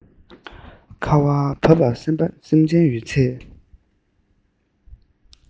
ཁ བ བབས པས སེམས ཅན ཡོད ཚད